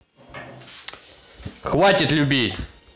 хватит любить